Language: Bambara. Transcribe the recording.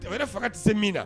Jamanaɛrɛ faga tɛ se min na